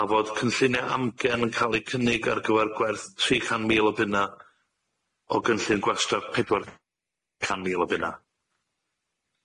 A fod cynllunie amgen yn ca'l 'u cynnig ar gyfer gwerth tri can mil o bunna o gynllun gwastraff pedwar can mil o bunna.